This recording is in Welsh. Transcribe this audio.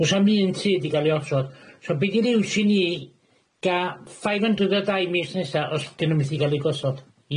Do's na'm un tŷ 'di ga'l i osod so be' di'r iws i ni ga' ffaif hyndryd a dai mis nesa os 'dyn nw methu ga'l 'i gosod?